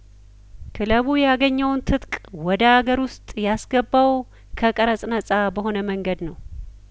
ክለቡ ያገኘውን ትጥቅ ወደ ሀገር ውስጥ ያስገባው ከቀረጽ ነጻ በሆነ መንገድ ነው